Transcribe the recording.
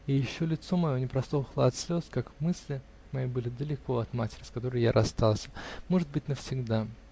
и еще лицо мое не просохло от слез, как мысли мои были далеко от матери, с которой я расстался, может быть, навсегда.